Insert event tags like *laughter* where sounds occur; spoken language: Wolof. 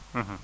*hesitation* *hesitation*